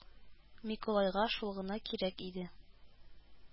Микулайга шул гына кирәк иде